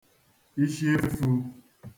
ishi efū